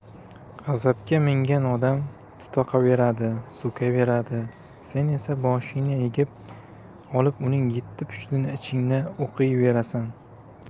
g'azabga mingan odam tutoqaveradi so'kaveradi sen esa boshingni egib olib uning yetti pushtini ichingda o'qiyverasan